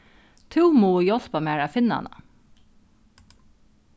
tú mugu hjálpa mær at finna hana